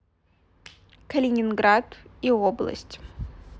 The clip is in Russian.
калининград и область